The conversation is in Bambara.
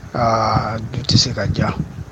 Aa du tɛ se ka ja